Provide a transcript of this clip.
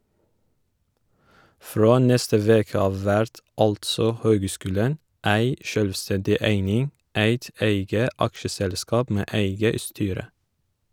Frå neste veke av vert altså høgskulen ei sjølvstendig eining, eit eige aksjeselskap med eige styre.